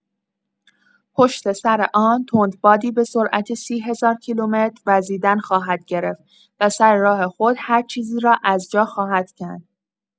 پشت‌سر آن، تندبادی به‌سرعت سی هزار کیلومتر وزیدن خواهد گرفت و سر راه خود هر چیزی را از جا خواهد کند.